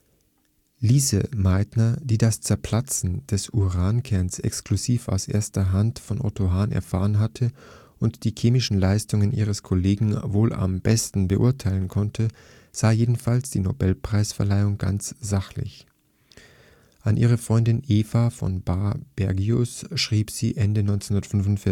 Lise Meitner, die das „ Zerplatzen “des Urankerns exklusiv aus erster Hand von Otto Hahn erfahren hatte und die chemischen Leistungen ihres Kollegen wohl am besten beurteilen konnte, sah jedenfalls die Nobelpreis-Verleihung ganz sachlich. An ihre Freundin Eva von Bahr-Bergius schrieb sie Ende 1945